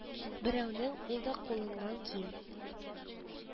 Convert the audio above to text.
Берәүнең ул да кулыннан кил